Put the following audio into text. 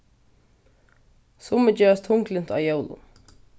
summi gerast tunglynt á jólum